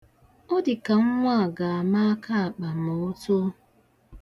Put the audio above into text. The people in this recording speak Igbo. Ọ dị ka nwa a ga-ama akaakpa ma o too.